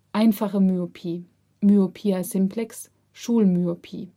Einfache Myopie, Myopia simplex, Schulmyopie